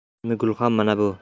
islimi gulxan mana bu